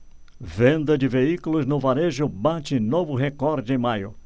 venda de veículos no varejo bate novo recorde em maio